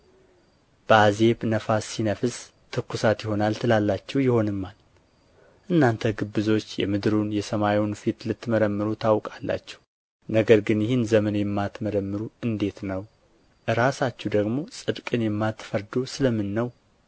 በአዜብም ነፋስ ሲነፍስ ትኩሳት ይሆናል ትላላችሁ ይሆንማል እናንት ግብዞች የምድሩንና የሰማዩን ፊት ልትመረምሩ ታውቃላችሁ ነገር ግን ይህን ዘመን የማትመረምሩ እንዴት ነው ራሳችሁ ደግሞ ጽድቅን የማትፈርዱ ስለ ምን ነው